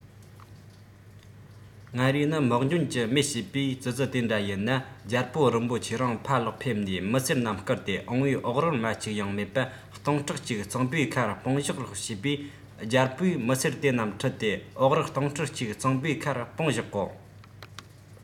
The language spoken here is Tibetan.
ང རས ནི དམག འཇོན གྱི མེད བྱས པས ཙི ཙིས དེ འདྲ ཡིན ན རྒྱལ པོ རིན པོ ཆེ རང ཕར ལོག ཕེབས ནས མི སེར རྣམས སྐུལ ཏེ བོང བུའི ཨོག རིལ རྨ ཅིག ཡང མེད པ སྟོང ཕྲག གཅིག གཙང པོའི ཁར སྤུངས བཞག རོགས བྱས པས རྒྱལ པོས མི སེར དེ རྣམས ཁྲིད དེ ཨོག རིལ སྟོང ཕྲག གཅིག གཙང པོའི ཁར སྤུངས བཞག གོ